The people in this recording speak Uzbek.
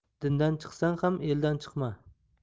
dindan chiqsang ham eldan chiqma